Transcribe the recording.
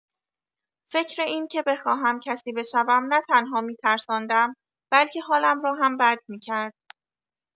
فکر اینکه بخواهم کسی بشوم، نه‌تنها می‌ترساندم، بلکه حالم را هم بد می‌کرد.